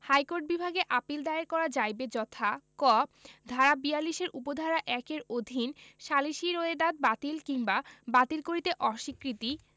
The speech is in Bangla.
হাইকোর্ট বিভাগে আপীল দায়ের করা যাইবে যথা ক ধারা ৪২ এর উপ ধারা ১ এর অধীন সালিসী রোয়েদাদ বাতিল কিংবা বাতিল করিতে অস্বীকৃতি